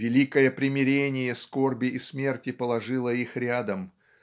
Великое примирение скорби и смерти положило их рядом